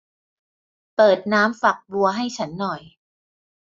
เปิดน้ำฝักบัวให้ฉันหน่อย